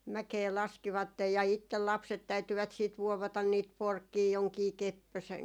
mäkeä laskivat ja itse lapset täytyivät sitten vuovata niitä porkkia jonkin kepposen